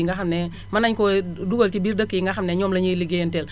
nga xam ne mën nañu koo dugal ci biir dëkk yi nga xam ne ñoom lañuy ligéeyanteel